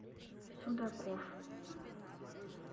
судаков